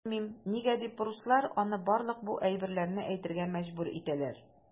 Белмим, нигә дип руслар аны барлык бу әйберләрне әйтергә мәҗбүр итәләр.